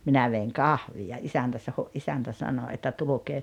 minä vein kahvia isäntä saho isäntä sanoi että tulkaa